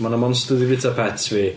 Ma' 'na monster 'di byta pets fi.